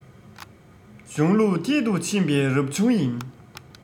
གཞུང ལུགས མཐིལ དུ ཕྱིན པའི རབ བྱུང ཡིན